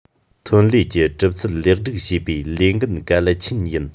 ཐོན ལས ཀྱི གྲུབ ཚུལ ལེགས སྒྲིག བྱེད པའི ལས འགན གལ ཆེན ཡིན